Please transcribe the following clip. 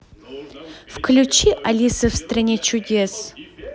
включи алиса в стране чудес